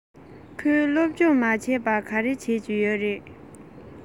ཁོས སློབ སྦྱོང མ བྱས པར ག རེ བྱེད ཀྱི ཡོད རས